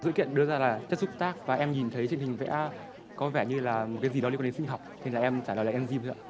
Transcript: dữ kiện đưa ra là chất xúc tác và em nhìn thấy trên hình vẽ có vẻ như là một cái gì đó liên quan đến sinh học thì là em trả lời là en dim thôi ạ